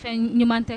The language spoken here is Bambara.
Fɛn ɲuman tɛ